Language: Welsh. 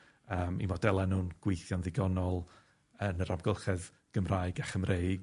yym, 'u modela' nw'n gweithio'n ddigonol yn yr amgylchedd Gymraeg a Chymreig.